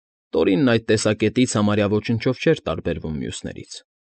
Տորինն այդ տեսակետից համարյա ոչնչով չէր տարբերվում մյուսներից։